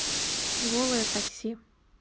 голое такси